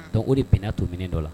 Dɔnku o de bɛnna to min dɔ la